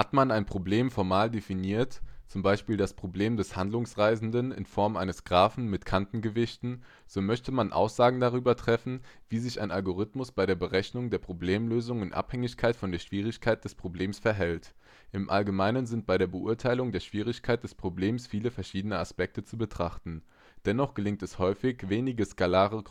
man ein Problem formal definiert (zum Beispiel das Problem des Handlungsreisenden in Form eines Graphen mit Kantengewichten), so möchte man Aussagen darüber treffen, wie sich ein Algorithmus bei der Berechnung der Problemlösung in Abhängigkeit von der Schwierigkeit des Problems verhält. Im Allgemeinen sind bei der Beurteilung der Schwierigkeit des Problems viele verschiedene Aspekte zu betrachten. Dennoch gelingt es häufig, wenige skalare